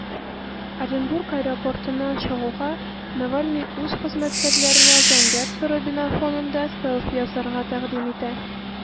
Оренбург аэропортыннан чыгуга, Навальный үз хезмәткәрләренә зәңгәр-соры бина фонында селфи ясарга тәкъдим итә.